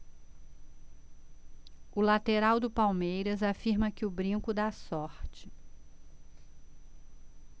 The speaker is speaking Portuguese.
o lateral do palmeiras afirma que o brinco dá sorte